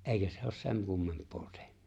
eikä se ole sen kummempaa tehnyt